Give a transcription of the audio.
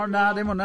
O na, dim hwnna.